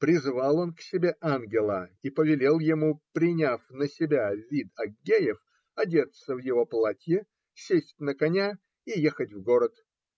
Призвал он к себе ангела и повелел ему, приняв на себя вид Аггеев, одеться в его платье, сесть на коня и ехать в город.